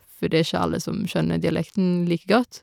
For det er ikke alle som skjønner dialekten like godt.